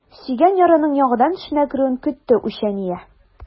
Сөйгән ярының яңадан төшенә керүен көтте үчәния.